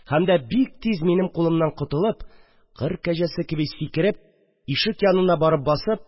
Һәм дә, бик тиз минем кулымнан котылып, кыр кәҗәсе кеби сикереп ишек янына барып басып